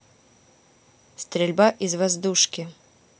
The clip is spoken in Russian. стрельба из воздушки